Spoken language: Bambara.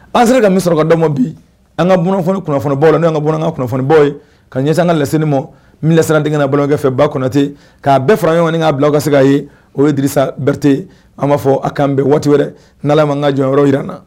An sera ka misi sɔrɔkadamɔ bi an ka kunnafoni- kunnafonibɔ la n' kakan kunnafoni bɔ ye ka ɲɛsan an ka laseni ma min la siranren denkɛk bɔkɛfɛ ba kɔnɔtɛ k'a bɛɛ fara ɲɔgɔn k'a bila a ka se ka ye o ye disa berete an b'a fɔ a kan bɛn waati wɛrɛ n'ale maan ka jɔn yɔrɔ jira na